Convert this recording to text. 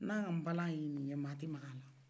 i m'a ka npalan yen nin ye maa tɛɛ maga a la